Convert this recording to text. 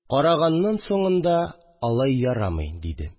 Караганның соңында: «алай ярамый...» – диде